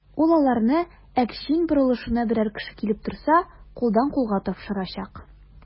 Ул аларны Әкчин борылышына берәр кеше килеп торса, кулдан-кулга тапшырачак.